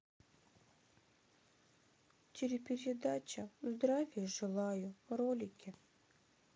телепередача здравия желаю ролики